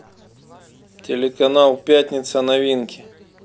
телеканал пятница новинки